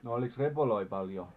no olikos repoja paljon